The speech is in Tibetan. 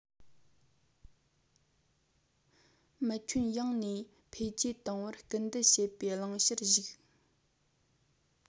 མི ཁྱོན ཡོངས ནས འཕེལ རྒྱས གཏོང བར སྐུལ སྤེལ བྱེད པའི བླང བྱར གཞིགས